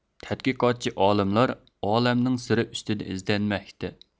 تەتقىقاتچى ئالىملار ئالەمنىڭ سىرى ئۈستىدە ئىزدەنمەكتە